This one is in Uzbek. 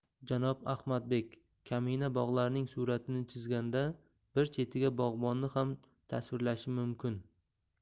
janob ahmadbek kamina bog'larning suratini chizganda bir chetiga bog'bonni ham tasvirlashim mumkin